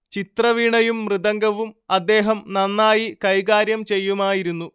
ചിത്രവീണയും മൃദംഗവും അദ്ദേഹം നന്നായി കൈകാര്യം ചെയ്യുമായിരുന്നു